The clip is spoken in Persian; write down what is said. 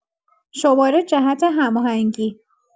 شماره جهت هماهنگی